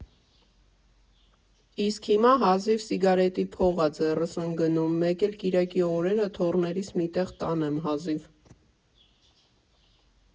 Իսկ հիմա հազիվ սիգարետի փող ա ձեռս ընգնում, մեկ էլ կիրակի օրերը թոռներիս մի տեղ տանեմ հազիվ։